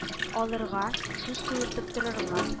Алырга, сүз куертып торырга